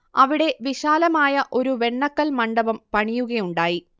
അവിടെ വിശാലമായ ഒരു വെണ്ണക്കൽ മണ്ഡപം പണിയുകയുണ്ടായി